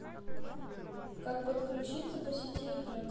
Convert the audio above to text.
как подключиться по сети играть